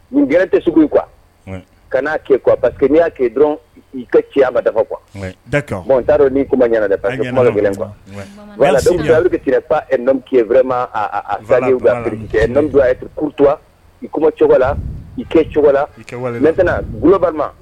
Nin g tɛ sugu qu ka'a ke k y'a kee dɔrɔn i ka cɛya ma dafa kuwa t'a dɔn n'i kuma ma ɲ kuma gɛlɛn kuwa wala ale ka ti wɛrɛma zan n ku i kuma cogo la i kɛcogo la n goloba